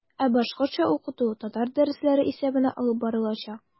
Ә башкортча укыту татар дәресләре исәбенә алып барылачак.